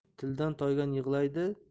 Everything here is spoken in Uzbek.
tildan toygan yig'laydi